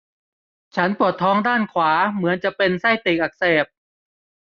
ฉันปวดท้องด้านขวาเหมือนจะเป็นไส้ติ่งอักเสบ